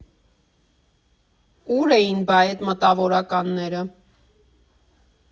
Ու՞ր էին բա էդ մտավորականները։